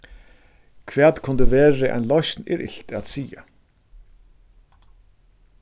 hvat kundi verið ein loysn er ilt at siga